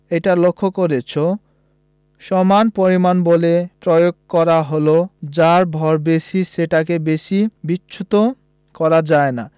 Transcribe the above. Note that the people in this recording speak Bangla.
এটা লক্ষ করেছ সমান পরিমাণ বল প্রয়োগ করা হলে যার ভর বেশি সেটাকে বেশি বিচ্যুত করা যায় না